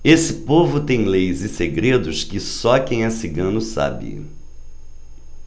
esse povo tem leis e segredos que só quem é cigano sabe